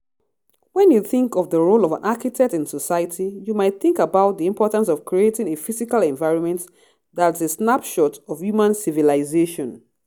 When you think of the role of an architect in society, you might think about the importance of creating a physical environment that's a snapshot of human civilisation.